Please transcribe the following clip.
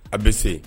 A bɛ se